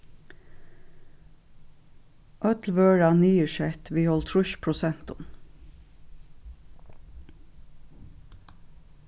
øll vøra niðursett við hálvtrýss prosentum